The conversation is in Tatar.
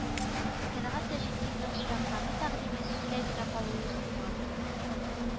Тәлгат Таҗетдинның чираттагы тәкъдиме сүздә генә калуы ихтимал